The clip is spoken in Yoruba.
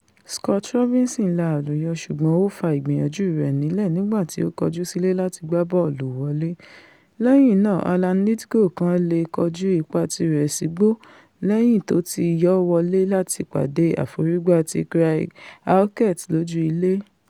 Scott Robinson la àlùyọ ṣùgbọ́n ó fa ìgbìyànjú rẹ nílẹ̀ nìgbà tí ó kọjú sílé làtí gbá bọ́ọ̀lù wọlé, lẹ́yìn náà Alan Lithgow kàn leè kọjú ipá tirẹ̀ sí igbó lẹ́yìn tó ti yọ wọlé láti pàdé àforìgbá ti Craig Halkett lójú ilé.